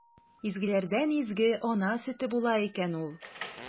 Изгеләрдән изге – ана сөте була икән ул!